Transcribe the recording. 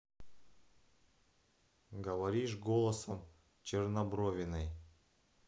говоришь голосом чернобровиной